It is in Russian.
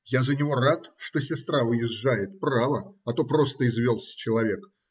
Я за него рад, что сестра уезжает, право, а то просто извелся человек